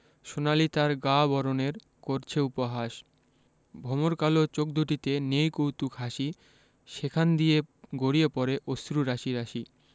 সোনালি তার গা বরণের করছে উপহাস ভমর কালো চোখ দুটিতে নেই কৌতুক হাসি সেখান দিয়ে গড়িয়ে পড়ে অশ্রু রাশি রাশি